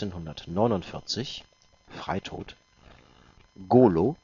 1949, Freitod), Golo